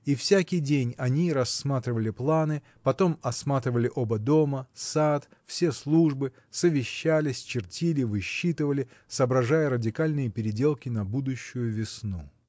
И всякий день они рассматривали планы, потом осматривали оба дома, сад, все службы, совещались, чертили, высчитывали, соображая радикальные переделки на будущую весну.